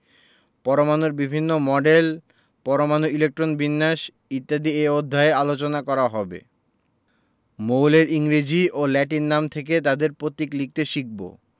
পরমাণুর বিভিন্ন মডেল পরমাণুর ইলেকট্রন বিন্যাস ইত্যাদি এ অধ্যায়ে আলোচনা করা হবে মৌলের ইংরেজি ও ল্যাটিন নাম থেকে তাদের পতীক লিখতে শিখব